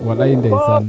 waalay ndeysaan